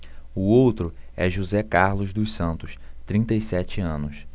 o outro é josé carlos dos santos trinta e sete anos